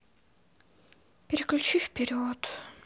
переключи вперед